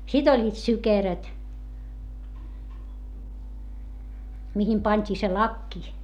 sitten olivat sykeröt mihin pantiin se lakki